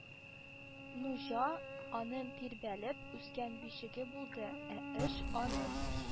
Нужа аның тирбәлеп үскән бишеге булды, ә эш аның